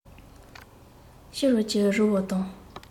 ཕྱི རོལ གྱི རི བོ དང